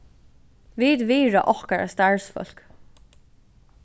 vit virða okkara starvsfólk